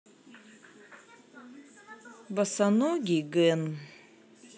босоногий гэн